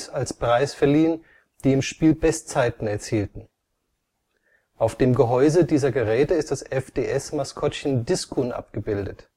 als Preis verliehen, die im Spiel Bestzeiten erzielten. Auf dem Gehäuse dieser Geräte ist das FDS-Maskottchen Diskun abgebildet